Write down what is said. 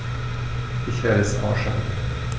Ich werde es ausschalten